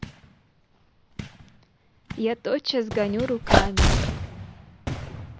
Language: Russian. я тотчас гоню руками